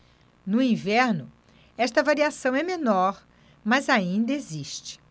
no inverno esta variação é menor mas ainda existe